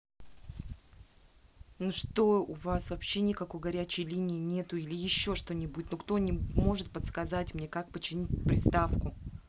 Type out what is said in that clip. ну что у вас вообще никакой горячей линии нету или еще что нибудь ну кто может подсказать мне как починить эту приставку